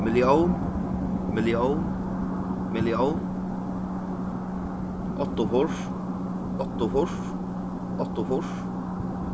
millión millión millión áttaogfýrs áttaogfýrs áttaogfýrs